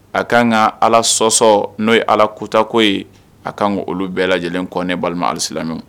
A k' kan ka ala sɔsɔ n'o ye ala kutako ye a k' kan olu bɛɛ lajɛ lajɛlen kɔnɛ balima alisilaɔn